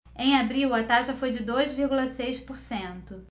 em abril a taxa foi de dois vírgula seis por cento